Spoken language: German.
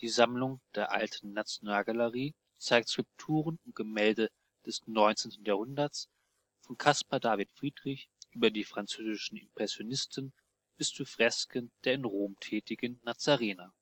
Sammlung der Alten Nationalgalerie zeigt Skulpturen und Gemälde des 19. Jahrhunderts, von Caspar David Friedrich über die französischen Impressionisten bis zu Fresken der in Rom tätigen Nazarener